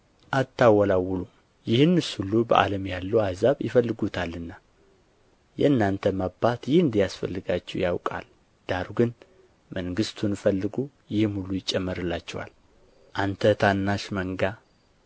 አታወላውሉም ይህንስ ሁሉ በዓለም ያሉ አሕዛብ ይፈልጉታልና የእናንተም አባት ይህ እንዲያስፈልጋችሁ ያውቃል ዳሩ ግን መንግሥቱን ፈልጉ ይህም ሁሉ ይጨመርላችኋል አንተ ታናሽ መንጋ